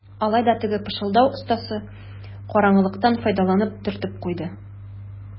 Алай да теге пышылдау остасы караңгылыктан файдаланып төрттереп куйды.